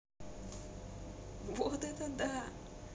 вот это два